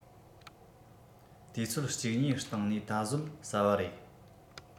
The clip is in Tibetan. དུས ཚོད གཅིག གཉིས སྟེང ནས ད གཟོད ཟ བ རེད